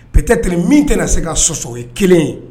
Ptet min tɛna se ka sɔsɔ ye kelen ye